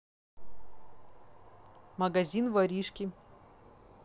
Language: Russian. магазин воришки